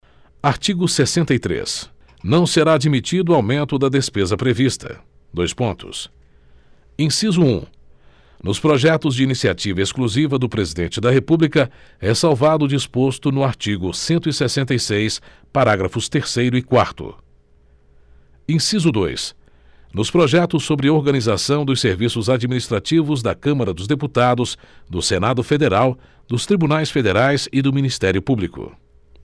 artigo sessenta e três não será admitido aumento da despesa prevista dois pontos inciso um nos projetos de iniciativa exclusiva do presidente da república ressalvado o disposto no artigo cento e sessenta e seis parágrafos terceiro e quarto inciso dois nos projetos sobre organização dos serviços administrativos da câmara dos deputados do senado federal dos tribunais federais e do ministério público